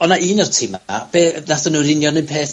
O' na' un o'r tima, be', nathon nw'r union un peth.